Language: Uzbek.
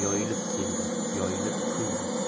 yoyilib keldi yoyilib kuldi